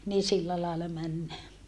niin sillä lailla mennään